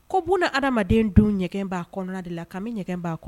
Ko bna adamadamaden don ɲɛgɛn b kɔnɔna de la kami ɲɛgɛn' kɔnɔ